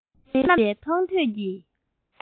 སྔར ན མེད པའི མཐོང ཐོས ཀྱི